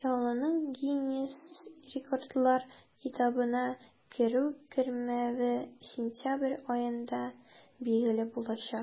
Чаллының Гиннес рекордлар китабына керү-кермәве сентябрь аенда билгеле булачак.